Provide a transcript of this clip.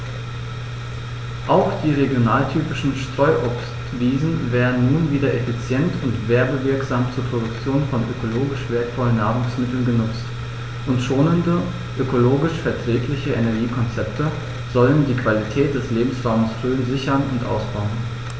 Auch die regionaltypischen Streuobstwiesen werden nun wieder effizient und werbewirksam zur Produktion von ökologisch wertvollen Nahrungsmitteln genutzt, und schonende, ökologisch verträgliche Energiekonzepte sollen die Qualität des Lebensraumes Rhön sichern und ausbauen.